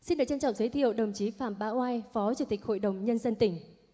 xin được trân trọng giới thiệu đồng chí phạm bá oai phó chủ tịch hội đồng nhân dân tỉnh